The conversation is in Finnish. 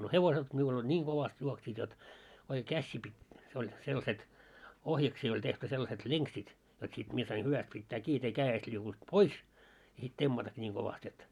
no hevoset minulla oli niin kovasti juoksivat jotta oikein käsiä piti se oli sellaiset ohjaksiin oli tehty sellaiset lenkit jotta sitten minä sain hyvästi pitää kiinni jotta ei kädestä liukunut pois ja sitten temmatakin niin kovasti että